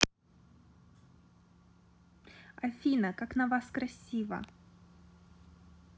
афина как на вас красиво